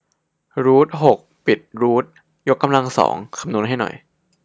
รูทหกปิดรูทยกกำลังสองคำนวณให้หน่อย